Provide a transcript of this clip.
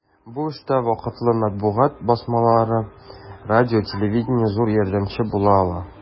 Бу эштә вакытлы матбугат басмалары, радио-телевидение зур ярдәмче була ала.